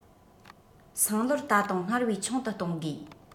སང ལོར ད དུང སྔར བས ཆུང དུ གཏོང དགོས